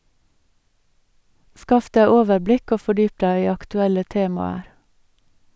Skaff deg overblikk, og fordyp deg i aktuelle temaer.